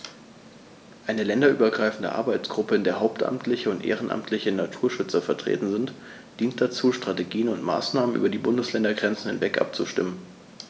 Eine länderübergreifende Arbeitsgruppe, in der hauptamtliche und ehrenamtliche Naturschützer vertreten sind, dient dazu, Strategien und Maßnahmen über die Bundesländergrenzen hinweg abzustimmen.